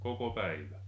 koko päivä